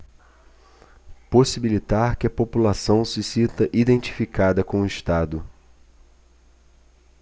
possibilitar que a população se sinta identificada com o estado